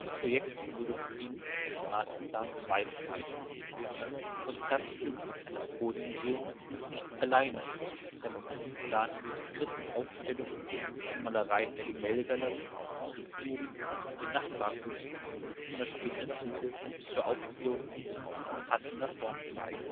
Projekt wurde von ihm als Masterplan II bezeichnet. Aus Platzgründen kann das Bode-Museum nicht alleine das Konzept der geplanten integrierten Aufstellung von Malerei der Gemäldegalerie, Skulpturen und den Nachbarkünsten von der Spätantike bis zur Aufklärung in umfassender Form zeigen